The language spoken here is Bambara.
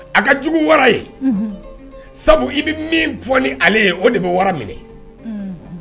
A ka jugu wara ye, unhun, sabu i bɛ min fɔ ni ale ye o de bɛ wara minɛ, unhun